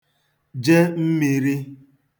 je mmīrī